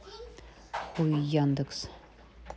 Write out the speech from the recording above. хуй яндекс